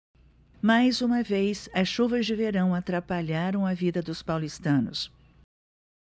mais uma vez as chuvas de verão atrapalharam a vida dos paulistanos